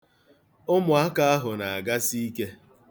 Ụmụaka ahụ na-agasi ike.